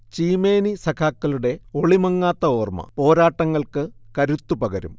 ചീമേനി സഖാക്കളുടെ ഒളിമങ്ങാത്ത ഓർമ, പോരാട്ടങ്ങൾക്ക് കരുത്തുപകരും